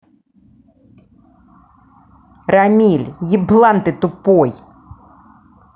рамиль еблан ты тупой